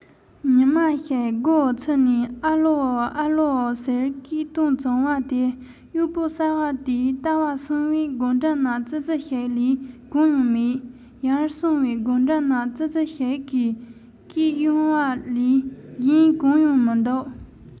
ཉི མ ཞིག སྒོའི ཕྱི ནས ཨུ ལའོ ཨུ ལའོ ཟེར སྐད བཏང བྱུང བ དེར གཡོག པོ གསར པ དེས ལྟ བར སོང བས སྒོ འགྲམ ན ཙི ཙི ཞིག ལས གང ཡང མེད ཡར སོང ནས སྒོ འགྲམ ན ཙི ཙི ཞིག གིས སྐད གཡོང བ ལས གཞན གང ཡང མི འདུག